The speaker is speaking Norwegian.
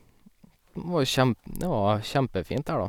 var jo kjem det var kjempefint der, da.